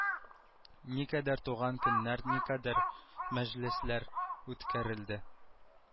Никадәр туган көннәр никадәр мәҗлесләр үткәрелде